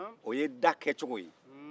o ye da kɛcogo ye